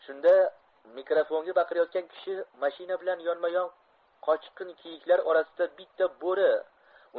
shunda mikrofonga baqirayotgan kishi mashina bilan yonma yon qochqin kiyiklar orasida bitta bo'ri